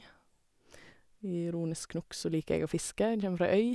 Ironisk nok så liker jeg å fiske, jeg kjeme fra øy.